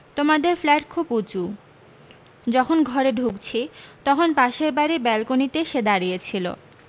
তোমাদের ফ্ল্যাট খুব উঁচু যখন ঘরে ঢুকছি তখন পাশের বাড়ীর ব্যালকনিতে সে দাঁড়িয়েছিলো